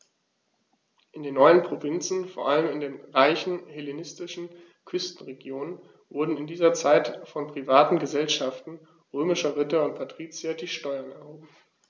In den neuen Provinzen, vor allem in den reichen hellenistischen Küstenregionen, wurden in dieser Zeit von privaten „Gesellschaften“ römischer Ritter und Patrizier die Steuern erhoben.